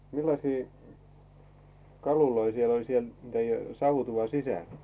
millaisia kaluja siellä oli siellä teidän savutuvan sisällä